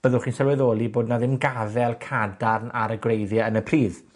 byddwch ci'n sylweddoli bod yna ddim gafel cadarn ar y gwreiddie yn y pridd.